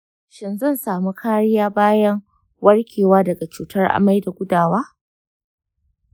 shin zan samu kariya bayan warkewa daga cutar amai da gudawa?